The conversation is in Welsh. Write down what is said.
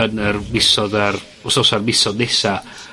yn yr misodd a'r wsnosa a'r misodd nesa.